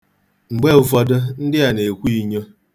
Mgbe ụfọdụ, ndị a na-ekwu inyo.